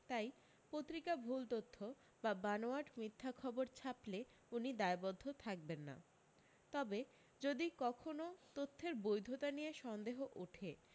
তাই পত্রিকা ভুল তথ্য বা বানোয়াট মিথ্যা খবর ছাপলে উনি দায়বদ্ধ থাকবেন না তবে যদি কখনো তথ্যের বৈধতা নিয়ে সন্দেহ উঠে